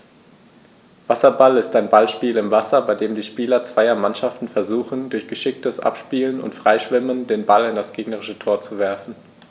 Wasserball ist ein Ballspiel im Wasser, bei dem die Spieler zweier Mannschaften versuchen, durch geschicktes Abspielen und Freischwimmen den Ball in das gegnerische Tor zu werfen.